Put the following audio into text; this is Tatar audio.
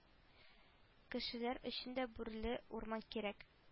Кешеләр өчен дә бүреле урман кирәк